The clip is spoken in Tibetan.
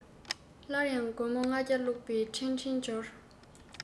སླར ཡང སྒོར མོ ལྔ བརྒྱ བླུག པའི འཕྲིན ཕྲན འབྱོར